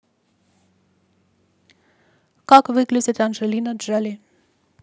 как выглядит анджелина джоли